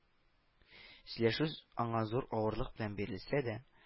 Сөйләшүз аңа зур авырлык белән бирелсә дә